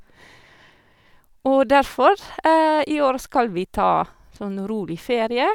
Og derfor, i år skal vi ta sånn rolig ferie.